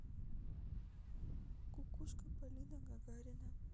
кукушка полина гагарина